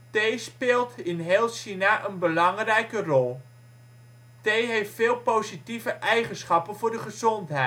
Thee speelt in heel China een belangrijke rol. Thee heeft veel positieve eigenschappen voor de gezondheid. In